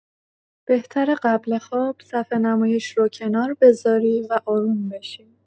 بهتره قبل خواب صفحه‌نمایش رو کنار بذاری و آروم بشی.